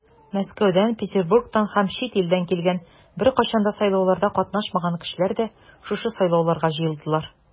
Мәскәүдән, Петербургтан һәм чит илдән килгән, беркайчан да сайлауларда катнашмаган кешеләр дә шушы сайлауларга җыелдылар.